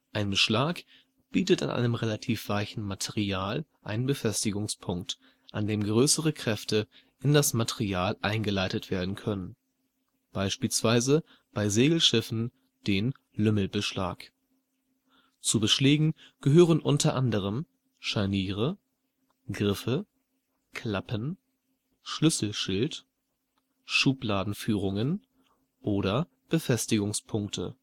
Ein Beschlag bietet an einem relativ weichen Material einen Befestigungspunkt, an dem größere Kräfte in das Material eingeleitet werden können. (beispielsweise bei Segelschiffen den Lümmelbeschlag). Zu Beschlägen gehören unter anderem Scharniere, Griffe, Klappen, Schlüsselschild, Schubladenführungen oder Befestigungspunkte